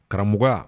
Karamɔgɔ ya